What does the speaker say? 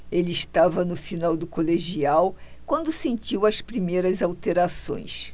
ele estava no final do colegial quando sentiu as primeiras alterações